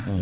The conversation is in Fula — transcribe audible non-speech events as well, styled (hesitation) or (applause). (hesitation) (hesitation)